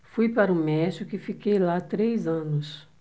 fui para o méxico e fiquei lá três anos